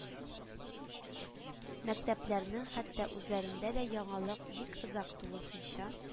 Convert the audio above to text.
Мәктәпләрнең хәтта үзләрендә дә яңалык бик озак тулысынча